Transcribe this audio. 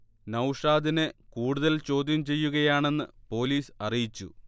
നൗഷാദിനെ കൂടുതൽ ചോദ്യം ചെയ്യുകയാണെന്ന് പോലീസ് അറിയിച്ചു